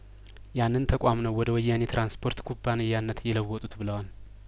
ያንን ተቋም ነው ወደ ወያኔ ትራንስፖርት ኩባንያነት የለወጡት ብለዋል